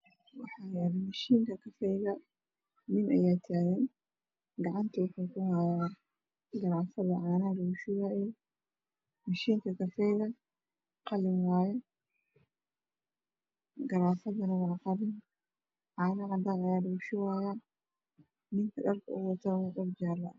Waxaa yaala mishiinka kafayga. Nin ayaa taagan gacanta waxuu ku hayaa garaafada caanaha lugu shubaayey. Mishiinka kafayga qalin waaye, garaafadana waa qalin caano cadaan ah ayaa lugu shubahayaa. Ninku dharka uu watana waa dhar jaalo ah.